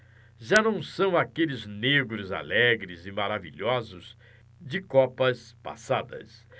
já não são aqueles negros alegres e maravilhosos de copas passadas